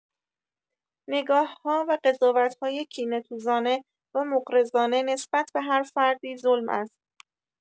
نگاه‌ها و قضاوت‌های کینه‌توزانه و مغرضانه نسبت به هر فردی ظلم است.